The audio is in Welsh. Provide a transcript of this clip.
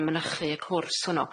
yn mynychu y cwrs hwnnw.